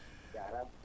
jaaraama